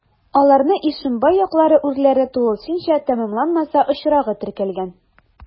Аларны Ишембай яклары урләре тулысынча тәмамланмаса очрагы теркәлгән.